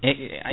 eyyi i ey ayi